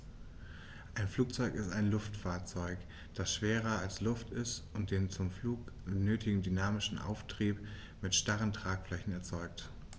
Ein Flugzeug ist ein Luftfahrzeug, das schwerer als Luft ist und den zum Flug nötigen dynamischen Auftrieb mit starren Tragflächen erzeugt.